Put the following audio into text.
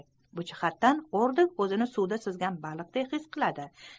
bu jihatdan ordok o'zini suvda suzgan baliqday his qiladi